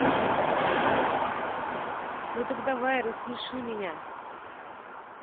ну так давай рассмеши меня